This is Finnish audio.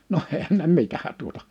no eihän ne mitä tuota